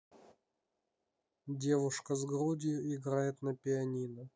девушка с грудью играет на пианино